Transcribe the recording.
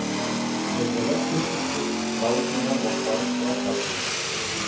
Бергәләп, һичшиксез, барысын да башкарып чыгачакбыз.